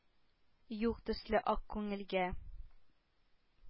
Юк төсле ак күңелгә...